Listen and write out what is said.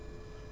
waaw